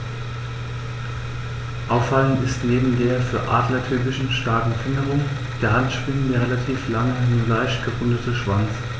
Auffallend ist neben der für Adler typischen starken Fingerung der Handschwingen der relativ lange, nur leicht gerundete Schwanz.